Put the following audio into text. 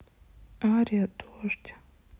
ария дождь